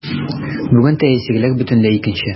Бүген тәэсирләр бөтенләй икенче.